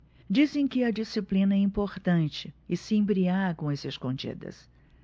dizem que a disciplina é importante e se embriagam às escondidas